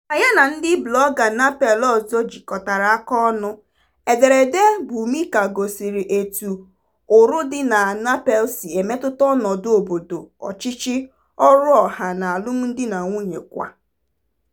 Ka ya na ndị blọga Nepal ọzọ jikọtara aka ọnụ, ederede Bhumika gosiri etu ụrụ dị na Nepal si emetụta ọnọdụ obodo, ọchịchị, ọrụ ọha, na alụmdi na nwunye kwa.